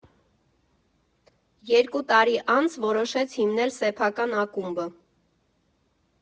Երկու տարի անց որոշեց հիմնել սեփական ակումբը։